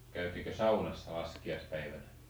käytiinkö saunassa - laskiaispäivänä